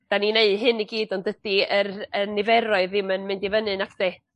'dan ni neu' hyn i gyd on'd ydi yr y niferoedd ddim yn mynd i fyny nacdi